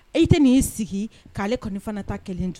I tɛ nin y'i sigi k'ale kɔni fana ta kelen to